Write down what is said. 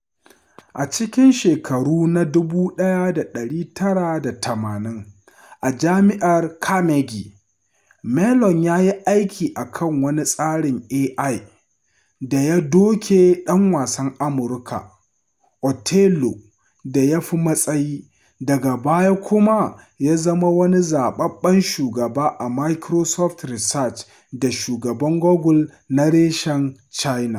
A cikin shekaru na 1980 a Jami’ar Carnegie Mellon ya yi aiki a kan wani tsarin AI da ya doke ɗan wasan Amurka Othello da ya fi matsayi, daga baya kuma ya zama wani zababben shugaba a Microsoft Research da shugaban Google na reshen China.